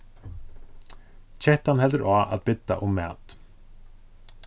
kettan heldur á at bidda um mat